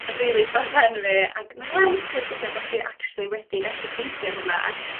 rili chwalu pen fi ag meddwl wel lwcus ydi o bo' chdi actually wedi gallu ffeindio hwnna a